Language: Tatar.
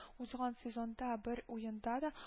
Узган сезонда бер уенда да